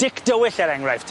Dic dywyll er enghraifft.